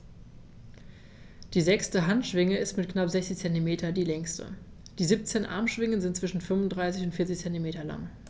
Die sechste Handschwinge ist mit knapp 60 cm die längste. Die 17 Armschwingen sind zwischen 35 und 40 cm lang.